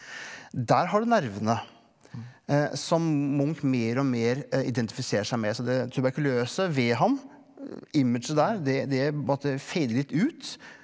der har du nervene som Munch mer og mer identifiserer seg med så det tuberkuløse ved ham imaget der det det måte fader litt ut.